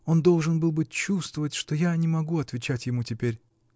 он должен был бы чувствовать, что я не могу отвечать ему теперь.